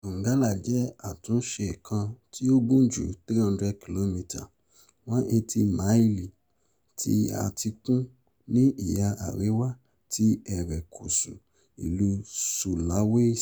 Donggala jẹ́ àtúnṣe kan tí ó gùn ju 300 km (180 máìlì) ti etíkun ní ihà àríwá ti erékùṣú ìlú Sulawesi.